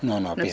non non pis